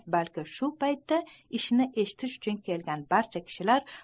balki shu paytda ishni eshitish uchun kelgan barcha kishilar